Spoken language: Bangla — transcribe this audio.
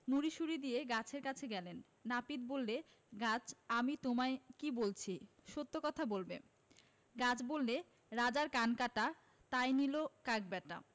মুড়িসুড়ি দিয়ে গাছের কাছে গেলেন নাপিত বললে গাছ আমি তোমায় কী বলছি সত্য কথা বলবে গাছ বললে ‘রাজার কান কাটা তাই নিল কাক ব্যাটা